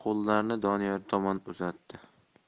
qo'llarini doniyor tomon uzatdi